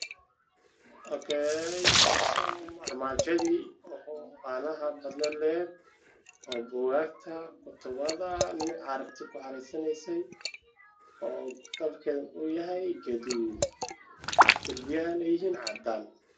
Meeshaan waa meel maktabad ah waxaa yaalo dhowr buugga aada badan oo iska faala saaran